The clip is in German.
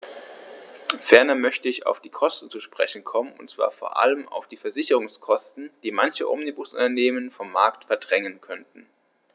Ferner möchte ich auf die Kosten zu sprechen kommen, und zwar vor allem auf die Versicherungskosten, die manche Omnibusunternehmen vom Markt verdrängen könnten.